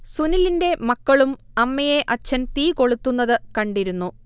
സുനിലിന്റെ മക്കളും അമ്മയെ അഛ്ഛൻ തീ കൊളുത്തുന്നത് കണ്ടിരുന്നു